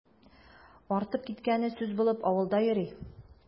Артып киткәне сүз булып авылда йөри.